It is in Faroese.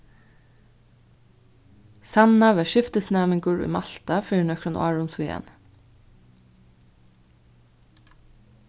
sanna var skiftisnæmingur í malta fyri nøkrum árum síðani